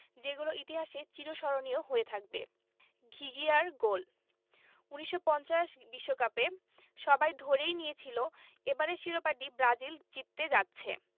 যেগুলো ইতিহাসে চিরস্মরণীয় হয়ে থাকবে খিঘিয়ার গোল ১৯৫০ বিশ্বকাপে সবাই ধরেই নিয়েছিল এবারের শিরোপাটি ব্রাজিল জিততে যাচ্ছে